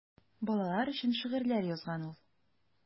Балалар өчен шигырьләр язган ул.